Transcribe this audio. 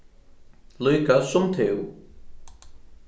líka sum tú